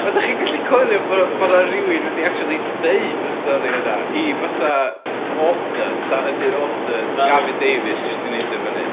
ydach chi'n gallu coelio bod bod 'na rywun wedi actually deud y stori yna i fatha author ta ydi'r author Gavin Davies jyst 'di neud o fyny.